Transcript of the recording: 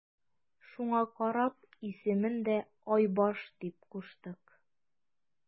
Шуңа карап исемен дә Айбаш дип куштык.